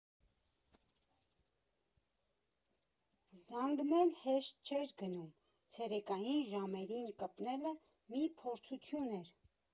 Զանգն էլ հեշտ չէր գնում, ցերեկային ժամերին կպնելը մի փորձություն էր։